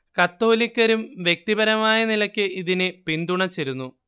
കത്തോലിക്കരും വ്യക്തിപരമായ നിലയ്ക്ക് ഇതിനെ പിന്തുണച്ചിരുന്നു